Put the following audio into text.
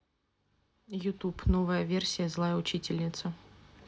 ютуб новая версия злая учительница